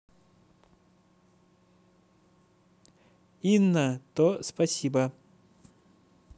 inna то спасибо